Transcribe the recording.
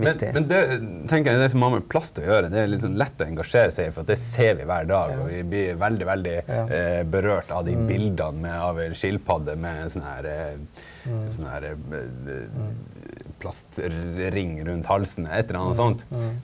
men men det tenker jeg det som har med plast å gjøre det er litt sånn lett å engasjere seg i for at det ser vi hver dag og vi blir veldig veldig berørt av de bildene med av en skilpadde med en sånn her sånn her plastring rundt halsen ett eller anna sånt.